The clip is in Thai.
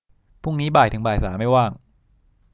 พรุ่งนี้บ่ายถึงบ่ายสามไม่ว่าง